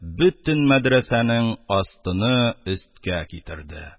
Бөтен мәдрәсәнең астыны өсткә китерде.